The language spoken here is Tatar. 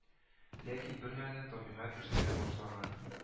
Ләкин бермәлне табигать үзгәрә башлаган